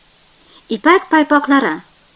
ipak paypoqlari